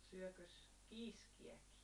syökös kiiskiäkin